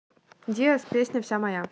diazz песня вся моя